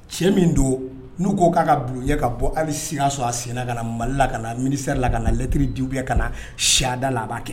Cɛ min don n'u koo k'a ka bulon ye ka bɔ hali siya sɔrɔ a senina ka na ma la kaana miri la ka nalɛttiriri juguyaya ka na siyada laban b'a kɛ